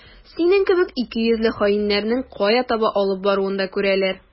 Синең кебек икейөзле хаиннәрнең кая таба алып баруын да күрәләр.